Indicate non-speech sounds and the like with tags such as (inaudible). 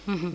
(hesitation) (hesitation)